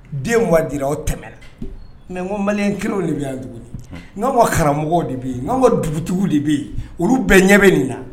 Den wadira o tɛmɛɛna mɛ ko mali kelen de bɛ yan n'an ko karamɔgɔ de bɛ yen n'an bɔ dugutigitigiw de bɛ yen olu bɛɛ ɲɛ bɛ nin na